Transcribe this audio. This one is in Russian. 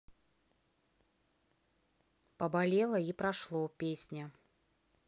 поболело и прошло песня